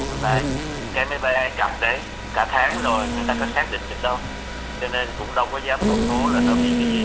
của máy bay ai cập đã cả tháng rồi người ta xác định được đâu cho nên cũng đâu có dám công bố là nó bị cái gì